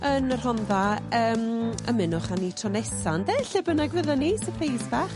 yn y Rhondda yym ymunwch â ni tro nesa ynde lle bynnag fyddan ni, sypreis bach.